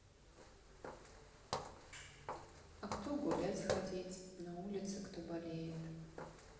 а кто гулять ходить на улице кто болеет